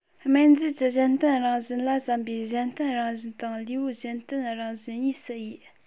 སྨན རྫས ཀྱི གཞན རྟེན རང བཞིན ལ བསམ པའི གཞན རྟེན རང བཞིན དང ལུས པོའི གཞན རྟེན རང བཞིན གཉིས སུ དབྱེ